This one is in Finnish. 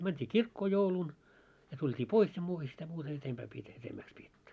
mentiin kirkkoon jouluna ja tultiin pois ja muuta sitä muuta edempää pidetä edemmäksi pidetty